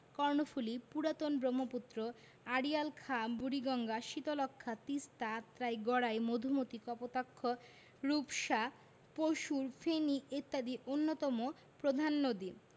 কর্ণফুলি পুরাতন ব্রহ্মপুত্র আড়িয়াল খাঁ বুড়িগঙ্গা শীতলক্ষ্যা তিস্তা আত্রাই গড়াই মধুমতি কপোতাক্ষ রূপসা পসুর ফেনী ইত্যাদি অন্যতম প্রধান নদী